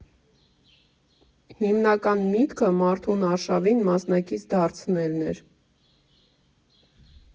Հիմնական միտքը մարդուն արշավին մասնակից դարձնելն էր։